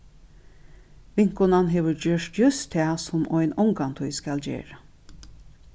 vinkonan hevur gjørt júst tað sum ein ongantíð skal gera